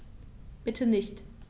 Bitte nicht.